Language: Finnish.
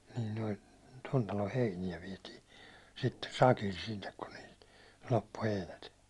niin noin tuon talon heiniä vietiin sitten sakilla sinne kun niiltä loppui heinät